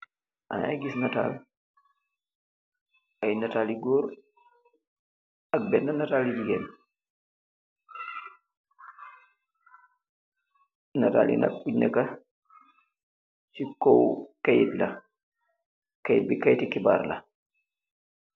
Maangy gis natal, iiiy natal yu gorr ak bena nahtali gigain, nahtal yi nak fungh neka, chi kaw Keith la, keith bi keithi kibarr la.